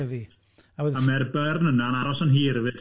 A llyfydd i. A mae'r burn yna'n aros yn hir hefyd.